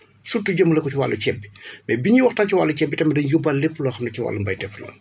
surtout jëmale ko si wàllu ceeb bi mais bi ñuy waxtaan ci wàllu ceeb bi tamit dañuy yóbbaale lépp loo xam ne ci wàllu mbéyteef la